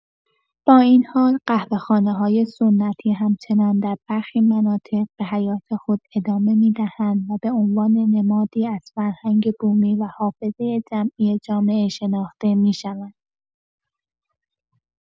با این حال، قهوه‌خانه‌های سنتی همچنان در برخی مناطق به حیات خود ادامه می‌دهند و به‌عنوان نمادی از فرهنگ بومی و حافظه جمعی جامعه شناخته می‌شوند.